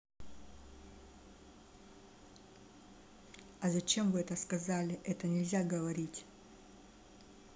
а зачем вы это сказали это нельзя говорить